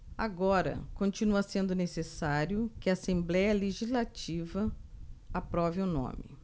agora continua sendo necessário que a assembléia legislativa aprove o nome